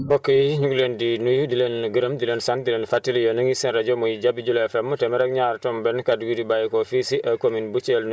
mbokk yi ñu ngi leen di nuyu di leen gërëm di leen sant di leen fàttali yéen a ngi seen rajo muy Jabi jula FM téeméer ak ñaar tomb benn kàddu gi bàyyeekoo fii si commune bu Thiel